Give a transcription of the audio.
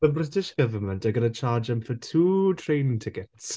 The British Government are going to charge them for two train tickets.